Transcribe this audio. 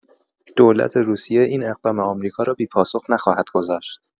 دولت روسیه این اقدام آمریکا را بی‌پاسخ نخواهد گذاشت.